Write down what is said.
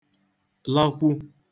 lakwu